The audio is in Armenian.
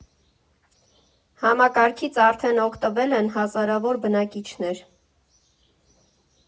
Համակարգից արդեն օգտվել են հազարավոր բնակիչներ։